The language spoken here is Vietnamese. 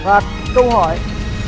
và câu hỏi